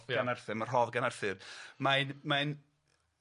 gan Arthur 'm y rhodd gan Arthur mae'n mae'n